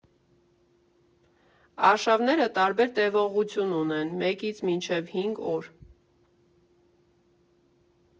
Արշավները տարբեր տևողություն ունեն՝ մեկից մինչև հինգ օր։